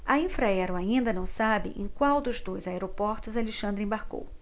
a infraero ainda não sabe em qual dos dois aeroportos alexandre embarcou